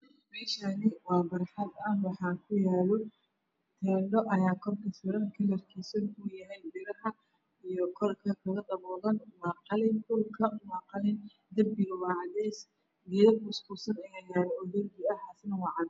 Meeshaan waa barxad waxaa kuyaalo teendho kor suran cadaan kan lugu daboolo waa qalin dhulkuna waa qalin. Darbiga waa cadeys geedo kuuskuusan ayaa yaalo.